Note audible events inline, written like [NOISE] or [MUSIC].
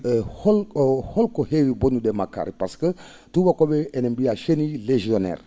[HESITATION] hol o holko ko heewi bonnude makkaari par ce que tuubakoo?e ina mbiya chenille légionaire